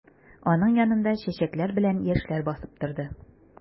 Аның янында чәчәкләр белән яшьләр басып торды.